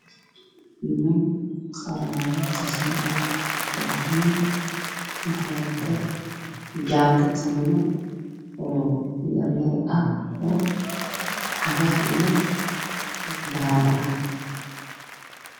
Halkaan waxaa ka muuqdo niman ka shaqeeyo nadaafada waxay qabaan jaakada jaalo iyo cadays kuwana waxay qabaan jaakad jaalo iyo cadays